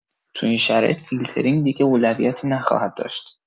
تو این شرایط فیلترینگ دیگه اولویتی نخواهد داشت